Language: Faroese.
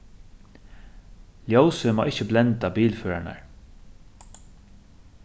ljósið má ikki blenda bilførararnar